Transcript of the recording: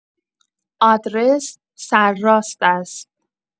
آدرس سرراست است.